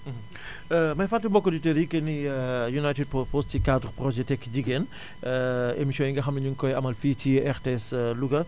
may fàttali mbokki auditeurs yi que ni United Purpose ci cadre projet tekki jigéen émissions yi nga xam ne ñu ngi koy amal fii ci RTS Louga